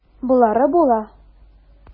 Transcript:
Болары була.